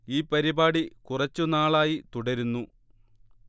ഈ പരിപാടി കുറച്ചു നാളായി തുടരുന്നു